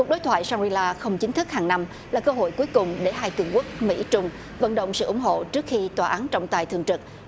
cuộc đối thoại sang ghi la không chính thức hằng năm là cơ hội cuối cùng để hai cường quốc mỹ trùng vận động sự ủng hộ trước khi tòa án trọng tài thường trực